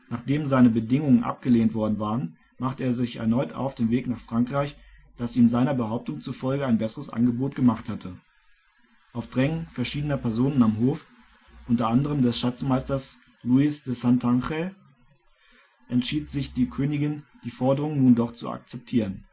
Nachdem seine Bedingungen abgelehnt worden waren, machte er sich erneut auf den Weg nach Frankreich, das ihm seiner Behauptung zufolge ein besseres Angebot gemacht hatte. Auf Drängen verschiedener Personen am Hof, unter anderem des Schatzmeisters Luis de Santángel, entschied sich die Königin, die Forderungen nun doch zu akzeptieren